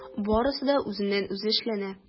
Барысы да үзеннән-үзе эшләнә.